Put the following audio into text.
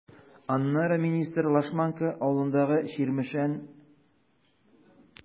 Аннары министр Лашманка авылындагы “Чирмешән” АХҖКында булды.